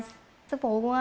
sư phụ